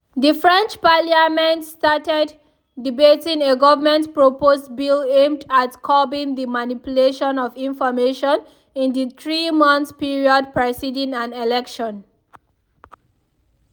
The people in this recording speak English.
The French parliament started debating a government-proposed bill aimed at curbing the “manipulation of information” in the three-month period preceding an election.